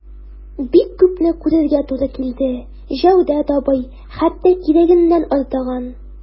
Бик күпне күрергә туры килде, Җәүдәт абый, хәтта кирәгеннән артыгын...